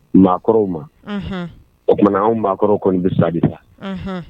Maakɔrɔw ma, unhun, o tuma anw maakɔrɔ kɔni bɛ sa de sa, unhun